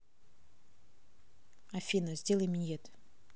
афина сделай миньет